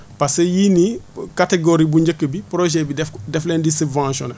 parce que yii nii catégorie bu njëkk bi projet bi daf daf leen di subventionné